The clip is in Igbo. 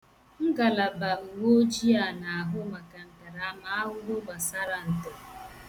Ngalaba uwe ojii a na-ahụ maka ntaramahụhụ gbasara ntọ.